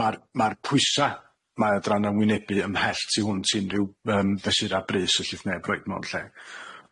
Ma'r ma'r pwysa, mae adranna wynebu ymhell tu hwnt unrhyw yym fesura brys ellith neb roid mewn lle.